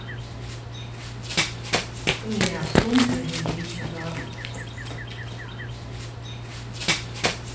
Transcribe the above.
um eg hevði havt stundir hevði eg vitjað dávid